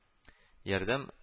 “ярдәм”